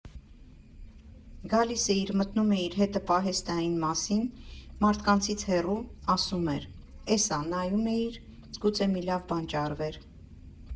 Գալիս էիր, մտնում էիր հետը պահեստային մասին, մարդկանցից հեռու, ասում էր՝ էս ա, նայում էիր, գուցե մի լավ բան ճարվեր։